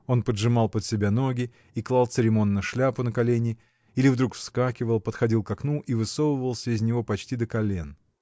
Он поджимал под себя ноги и клал церемонно шляпу на колени или вдруг вскакивал, подходил к окну и высовывался из него почти до колен.